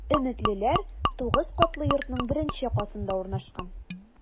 “өметлеләр” 9 катлы йортның беренче катында урнашкан.